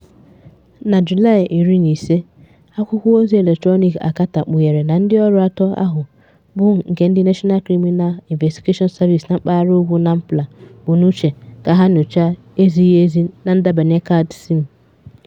Na Julaị 15, akwụkwọozi eletrọnịkị A Carta kpughere na ndịọrụ atọ ahụ bụ nke ndị National Criminal Investigation Service na mpaghara ugwu Nampula bu n'uche ka ha nyochaa ezighị ezi na ndebanye kaadị SIM.